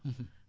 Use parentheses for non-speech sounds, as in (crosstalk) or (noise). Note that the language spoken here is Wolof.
(hesitation) (hesitation)